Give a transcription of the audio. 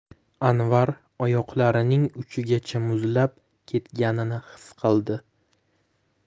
anvar oyoqlarining uchigacha muzlab ketganini his qildi